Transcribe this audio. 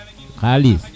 xalis